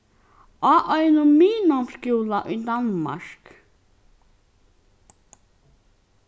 á einum miðnámsskúla í danmark